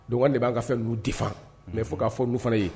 Dɔn de b'a ka fɛn n'u di mɛ fɔ k'a fɔ n'u fana ye